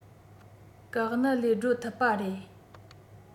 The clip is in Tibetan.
དཀའ གནད ལས སྒྲོལ ཐུབ པ རེད